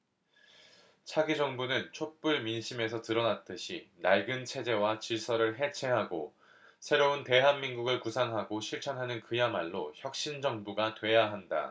차기 정부는 촛불 민심에서 드러났듯이 낡은 체제와 질서를 해체하고 새로운 대한민국을 구상하고 실천하는 그야말로 혁신 정부가 돼야 한다